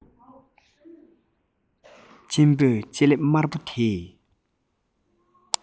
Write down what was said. གཅེན པོས ལྕེ ལེབ དམར པོ དེས